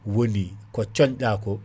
woni ko coñɗa ko